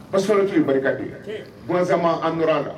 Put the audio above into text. A sɔrɔ tun ye barika de ye bɔnsanma ankura a la